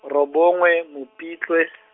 robongwe, Mopitlwe .